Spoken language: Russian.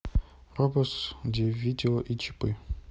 робокс где видео и чипы